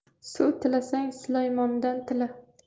suv tilasang sulaymondan tila